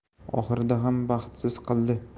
oxirida ham baxtsiz qildi